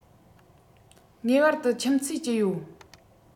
ངེས པར དུ ཁྱིམ མཚེས ཀྱི ཡོད